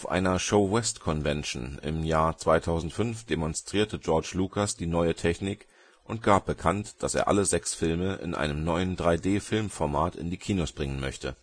einer ShoWest Convention im Jahr 2005 demonstrierte George Lucas die neue Technik und gab bekannt, dass er alle sechs Filme in einem neuen 3D-Filmformat in die Kinos bringen möchte